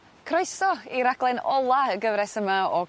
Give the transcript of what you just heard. Croeso i raglen ola y gyfres yma o...